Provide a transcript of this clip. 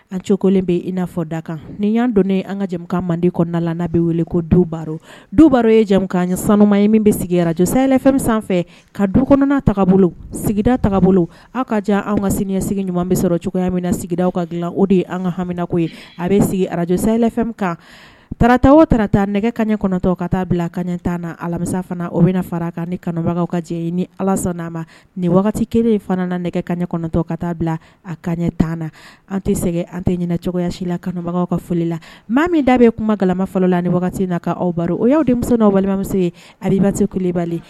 An cɛko bɛ i n'a fɔ da kan nin' donnen an ka jamana mande kɔnɔna la bɛ wele ko duba duba ye jamu ɲɛ sanu ye min bɛ arajfɛ sanfɛ ka du kɔnɔnataa bolo sigidataa bolo aw ka jan an ka siniɲɛsigi ɲuman bɛ sɔrɔ cogoya min na sigidaw ka dilan o de ye an ka haminako ye a bɛ sigi arajyɛlɛ kan tata o tata nɛgɛ kaɲɛ kɔnɔtɔ ka taa bila kaɲɛtan na alamisa fana o bɛna fara kan ni kɔnɔbaga ka jɛ ni ala sɔnna a ma nin wagati kelen fana na nɛgɛ kaɲɛ kɔnɔtɔ ka taa bila a kaɲɛtaa na an tɛ sɛgɛ an tɛ ɲɛnajɛ cogoyaya si la kanubagaw ka foli la maa min da bɛ kuma galama fɔlɔ la ni wagati na ka aw baro o y aw demi n' balimamuso aba se kubali